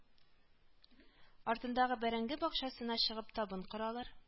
Артындагы бәрәңге бакчасына чыгып табын коралар